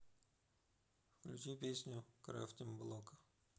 включи песню крафтим блока